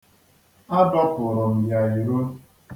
A dọpụrụ m ya iro.